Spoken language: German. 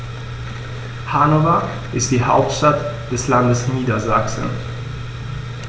Hannover ist die Hauptstadt des Landes Niedersachsen.